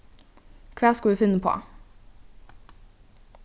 hvat skulu vit finna uppá